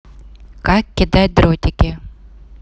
как кидать дротики